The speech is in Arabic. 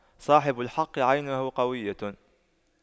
صاحب الحق عينه قوية